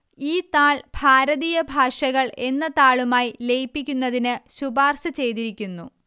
ഈ താൾ ഭാരതീയ ഭാഷകൾ എന്ന താളുമായി ലയിപ്പിക്കുന്നതിന് ശുപാർശ ചെയ്തിരിക്കുന്നു